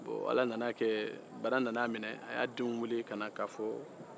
bɔn ala bana nana minɛ a denw wele k'a fɔ